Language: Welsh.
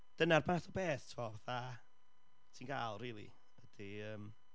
Dyna'r fath o beth tibod fatha, ti'n cael, rili, ydy yym...